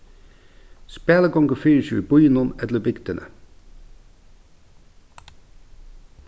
spælið gongur fyri seg í býnum ella í bygdini